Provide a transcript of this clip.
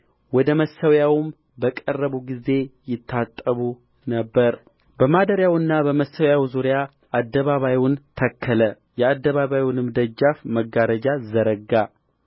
ወደ መሠዊያውም በቀረቡ ጊዜ ይታጠቡ ነበር በማደሪያውና በመሠዊያውም ዙሪያ አደባባዩን ተከለ የአደባባዩንም ደጃፍ መጋረጃ ዘረጋ